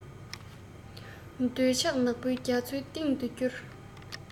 འདོད ཆགས ནག པོ རྒྱ མཚོའི གཏིང ལ བསྐྱུར